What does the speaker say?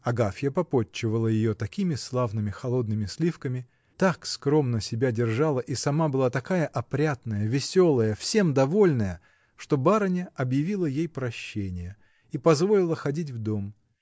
Агафья попотчевала ее такими славными холодными сливками, так скромно себя держала и сама была такая опрятная, веселая, всем довольная, что барыня объявила ей прощение и позволила ходить в дом